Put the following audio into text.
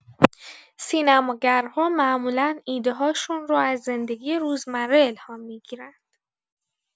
سینماگرها معمولا ایده‌هاشون رو از زندگی روزمره الهام می‌گیرند.